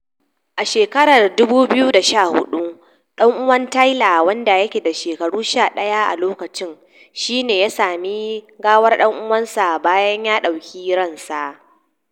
A shekarar 2014, ɗan'uwan Tyler, wanda yake dan shekara 11 a lokacin, shi ne ya sami gawar dan uwansa bayan ya ɗauki ransa.